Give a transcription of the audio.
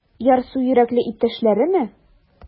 Ярсу йөрәкле иптәшләреме?